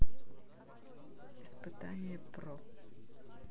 испытание про